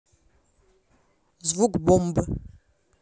звук бомбы